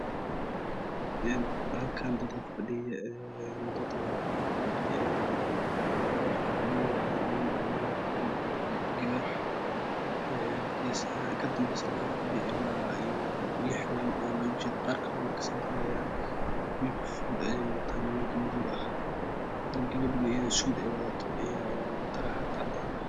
Een halkan dad ayaafadhiyo horaywaxafadhiyo nin iyo gabar gesaha kadabeya waxafadhiyo ilaa Lixnin qarkalewakadambeyan masudmadow ah ayay watan halkagadha ay wadadtosud iyo taraxad cadaan ah